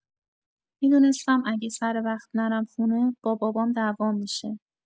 می‌دونستم اگه سروقت نرم خونه با بابا دعوام می‌شه.